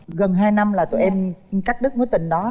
gần hai năm là tụi em cắt đứt mối tình đó